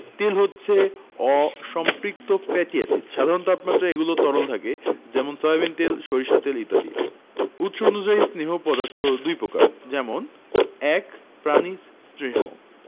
তেল হচ্ছে অসম্পৃক্ত ফ্যাটি এসিড সাধারণ তাপমাত্রায় এগুলো তরল থাকে যেমন সয়াবিন তেল সরিষার তেল ইত্যাদি উৎস অনুযায়ী স্নেহ পদার্থ দুই প্রকার যেমন ১. প্রাণিজ স্নেহ